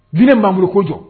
Diinɛ min b'an bolo k'o jɔ!